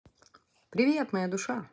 привет моя душа